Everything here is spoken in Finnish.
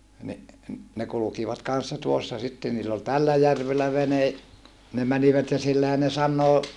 niin ne kulkivat kanssa tuossa sitten niillä oli tällä järvellä vene ne menivät ja sillähän ne sanoo